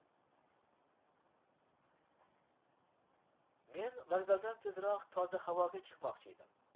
men vokzaldan tezroq toza havoga chiqmoqchi edim